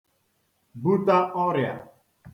buta ọrịà